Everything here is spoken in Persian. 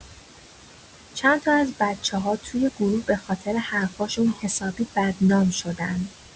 چندتا از بچه‌ها توی گروه به‌خاطر حرفاشون حسابی بدنام شدن.